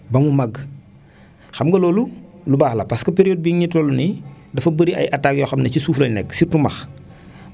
ba mu màgg xam nga loolu lu baax la parce que période bii ñu toll nii dafa bëri ay attaques yoo xam ne ci suuf lañu nekk surtout max